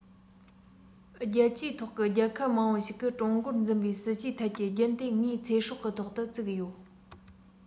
རྒྱལ སྤྱིའི ཐོག གི རྒྱལ ཁབ མང པོ ཞིག གི ཀྲུང གོར འཛིན པའི སྲིད ཇུས ཐད ཀྱི རྒྱན དེ ངའི ཚེ སྲོག གི ཐོག ཏུ བཙུགས ཡོད